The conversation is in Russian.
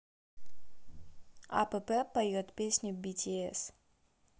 апп поет песню bts